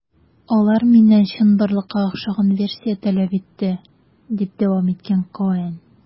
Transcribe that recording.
Алар миннән чынбарлыкка охшаган версия таләп итте, - дип дәвам иткән Коэн.